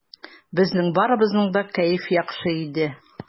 Безнең барыбызның да кәеф яхшы иде.